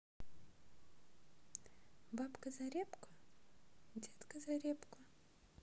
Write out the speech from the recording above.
бабка за репку дедка за репку